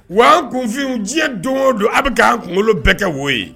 Wa an kunfin diɲɛ don o don a bɛ k'a kunkolo bɛɛ kɛ wo ye